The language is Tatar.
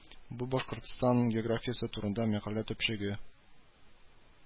Бу Башкортстан географиясе турында мәкалә төпчеге